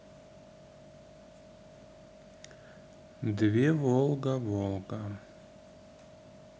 две волга волга